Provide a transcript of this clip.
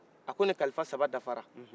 a ko ne kalifa saba dafara